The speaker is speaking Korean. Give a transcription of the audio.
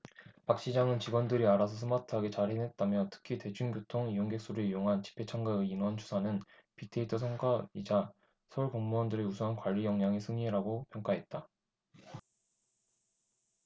박 시장은 직원들이 알아서 스마트하게 잘 해냈다며 특히 대중교통 이용객 수를 이용한 집회 참가 인원 추산은 빅데이터 성과이자 서울 공무원들의 우수한 관리역량의 승리라고 평가했다